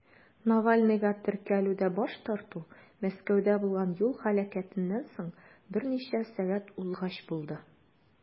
Навальныйга теркәлүдә баш тарту Мәскәүдә булган юл һәлакәтеннән соң берничә сәгать узгач булды.